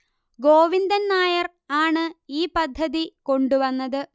ഗോവിന്ദൻ നായർ ആണ് ഈ പദ്ധതി കൊണ്ടുവന്നത്